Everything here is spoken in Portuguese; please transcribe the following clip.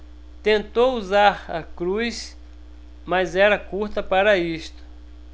tentou usar a cruz mas era curta para isto